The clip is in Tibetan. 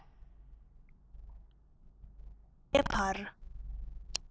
ད ལྟའི བར